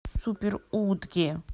супер утки